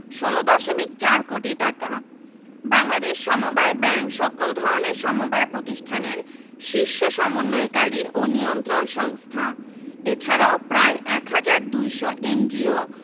চামড়া ও চামড়াজাত পণ্য সিমেন্ট চিনি মাছ প্রক্রিয়াজাতকরণ ঔষধ ও রাসায়নিক দ্রব্য ইত্যাদি রপ্তানি প্রক্রিয়াকরণ এলাকা